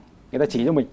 người ta chỉ cho mình